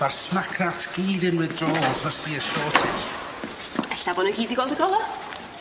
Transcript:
Ma'r smac rats gyd yn withdrawals must be a shortage. Ella bo' nw gyd 'di gweld y gola'?